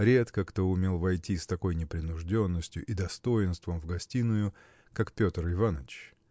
Редко кто умел войти с такой непринужденностью и достоинством в гостиную как Петр Иваныч.